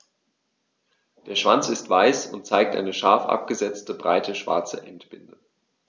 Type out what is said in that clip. Der Schwanz ist weiß und zeigt eine scharf abgesetzte, breite schwarze Endbinde.